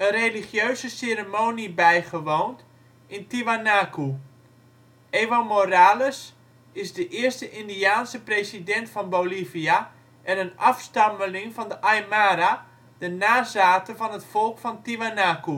religieuze ceremonie bijgewoond in Tiwanaku. Evo Morales is de eerste indiaanse president van Bolivia en een afstammeling van de Aymara, de nazaten van het volk van Tiwanaku